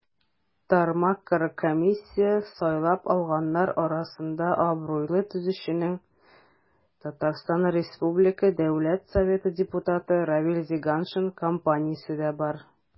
Тармакара комиссия сайлап алганнар арасында абруйлы төзүченең, ТР Дәүләт Советы депутаты Равил Зиганшин компаниясе дә бар.